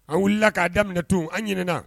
A wulila k'a daminɛ tun an ɲ